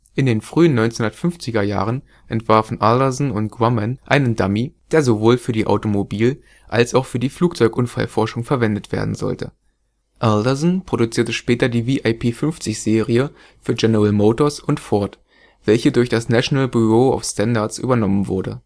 In den frühen 1950er Jahren entwarfen Alderson und Grumman einen Dummy, der sowohl für die Automobil - als auch für die Flugzeugunfallforschung verwendet werden sollte. Alderson produzierte später die VIP-50-Serie für General Motors und Ford, welche durch das National Bureau of Standards übernommen wurde